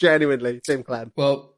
...genuinely dim clem. Wel